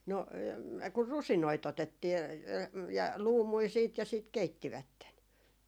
no kun rusinoita otettiin ja ja luumuja sitten ja sitten keittivät